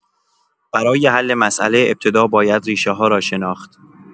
برای حل مسئله، ابتدا باید ریشه‌ها را شناخت.